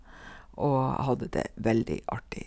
Og hadde det veldig artig.